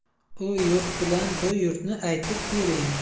u yurt bilan bu yurtni aytib bering